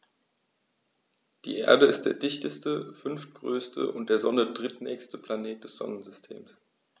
Die Erde ist der dichteste, fünftgrößte und der Sonne drittnächste Planet des Sonnensystems.